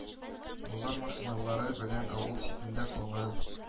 Болар машиналары белән авыл читендә кала